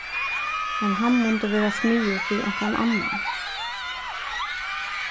men hann mundi vera smiður fyri onkran annan